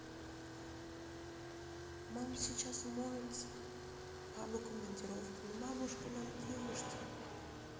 мама сейчас моется бабу командировку ну бабушка нам девушки